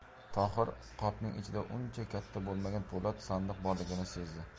tohir qopning ichida uncha katta bo'lmagan po'lat sandiq borligini sezdi